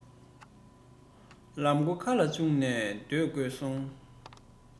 ལག མགོ ཁ ལ བཅུག ནས སྡོད དགོས ཡོང